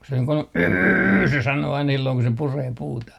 kun se niin kuin yyyrr se sanoo aina silloin kun se puree puuta